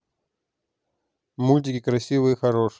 мультики красивые хорошие